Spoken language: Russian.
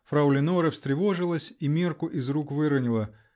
Фрау Леноре встревожилась и мерку из рук выронила.